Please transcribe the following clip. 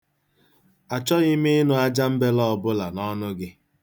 Achọghị m ịnụ ajambele ọbụla n'ọnụ gị.